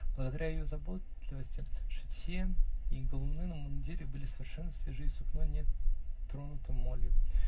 Благодаря ее заботливости, шитье и галуны на мундире были совершенно свежи и сукно не тронуто молью.